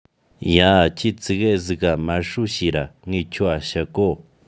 ཡ ཁྱོས ཙི གེ ཟིག ག མལ སྲོལ བྱོས ར ངས ཁྱོད འ བཤད གོ